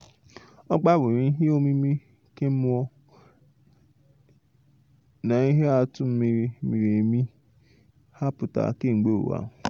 Ọgba nwere ihe omimi kemmụọ na ihe atụ miri emi ha pụtara kemgbe ụwa.